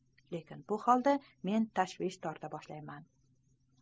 lekin bu holda men tashvish torta boshlayman